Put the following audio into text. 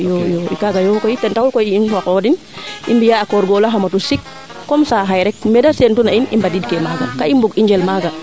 iyo iyo kaaga yoo koy ten taxu koy in fa qoox in i mbiya a koor goorlax fa matu sik comme ca xaye rek meede seetu na in i mbadiid kee maaga kaa i mbug i njel maaga